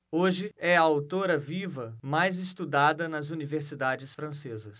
hoje é a autora viva mais estudada nas universidades francesas